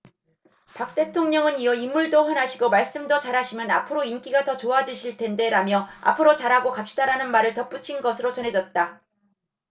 박 대통령은 이어 인물도 훤하시고 말씀도 잘하시면 앞으로 인기가 더 좋아지실 텐데 라며 앞으로 잘하고 갑시다라는 말을 덧붙인 것으로 전해졌다